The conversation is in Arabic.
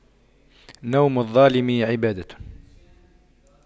نوم الظالم عبادة